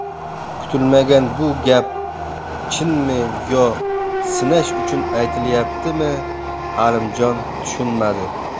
kutilmagan bu gap chinmi yo sinash uchun aytilyaptimi halimjon tushunmadi